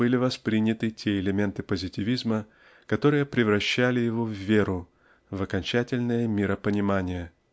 были восприняты те элементы позитивизма которые превращали его в веру в окончательное миропонимание.